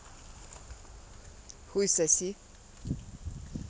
хуй соси